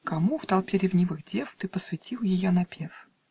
Кому, в толпе ревнивых дев, Ты посвятил ее напев?